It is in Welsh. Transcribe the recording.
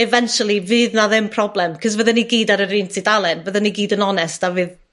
eventually fydd 'na ddim problem 'c'os fyddwn ni gyd ar yr un tudalen. Byddwn ni gyd yn onest, a fydd